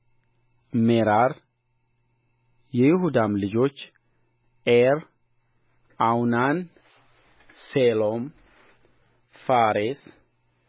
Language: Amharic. ወደ ግብፅ መውረድ አትፍራ በዚያ ትልቅ ሕዝብ አደርግሃለሁና እኔ ወደ ግብፅ አብሬህ እወርዳለሁ ከዚያም ደግሞ እኔ አወጣሃለሁ ዮሴፍም እጁን በዓይንህ ላይ ያኖራል